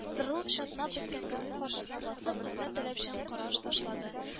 Сыдырылып, чатнап беткән көзге каршына басып, үзенә таләпчән караш ташлады